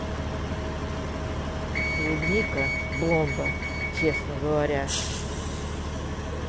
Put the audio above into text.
клубника бомба честно говоря